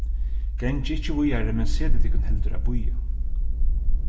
gangið ikki víðari men setið tykkum heldur at bíða